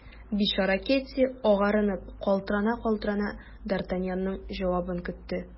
Бичара Кэтти, агарынып, калтырана-калтырана, д’Артаньянның җавабын көтте.